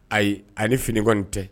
Ayi a ni fini kɔniɔni tɛ